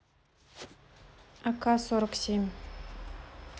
ак сорок семь